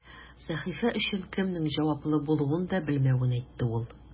Сәхифә өчен кемнең җаваплы булуын да белмәвен әйтте ул.